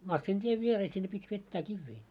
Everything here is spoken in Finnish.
masiinatien viereen sinne piti vetää kiviä